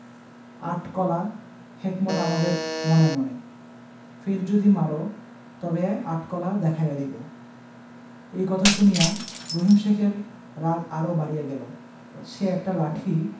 আট কলা হেকমত আমাদের মনে মনে ফের যদি মার তবে আট কলা দেখাইয়া দিব এই কথা শুনিয়া রহিম শেখের রাগ আরও বাড়িয়া গেল সে একটা লাঠি